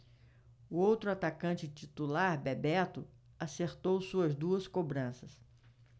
o outro atacante titular bebeto acertou suas duas cobranças